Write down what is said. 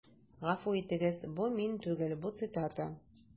Гафу итегез, бу мин түгел, бу цитата.